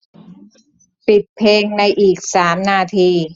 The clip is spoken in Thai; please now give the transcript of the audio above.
ปิดเพลงในอีกสามนาที